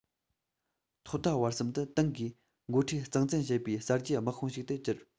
ཐོག མཐའ བར གསུམ དུ ཏང གིས འགོ ཁྲིད གཙང བཙན བྱེད པའི གསར བརྗེའི དམག དཔུང ཞིག ཏུ འགྱུར